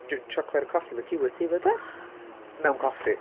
j- tsiocled a coffi liqueur ti efo de? Mewn coffi.